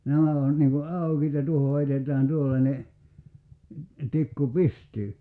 nämä on niin kun aukeat ja tuohon heitetään tuollainen tikku pystyyn